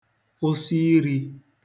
kwụsi irī